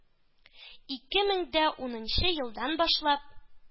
Ике мең дә унынчы елдан башлап